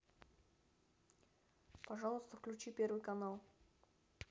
пожалуйста включи первый канал